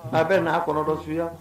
A bɛ n' a kɔnɔ dɔ su yan